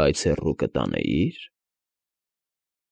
բայց հեռու կտանեի՞ր։